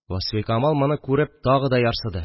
Васфикамал моны күреп тагы да ярсыды